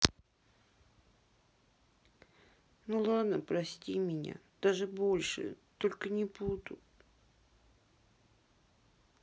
ну ладно прости меня даже больше только не буду